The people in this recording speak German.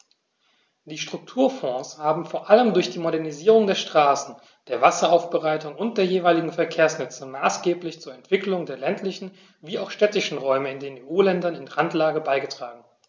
Die Strukturfonds haben vor allem durch die Modernisierung der Straßen, der Wasseraufbereitung und der jeweiligen Verkehrsnetze maßgeblich zur Entwicklung der ländlichen wie auch städtischen Räume in den EU-Ländern in Randlage beigetragen.